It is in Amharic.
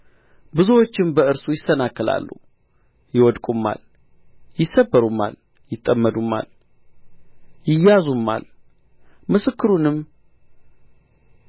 ብዙዎችም በእርሱ ይሰናከላሉ ይወድቁማል ይሰበሩማል ይጠመዱማል ይያዙማል ምስክሩን